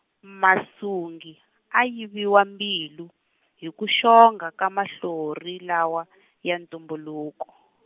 Masungi a yiviwa mbilu , hi ku xonga ka mahlori lawa ya ntumbuluko.